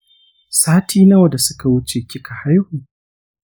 sati nawa da suka wuce kika haihu